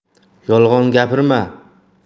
yolg'on gapirma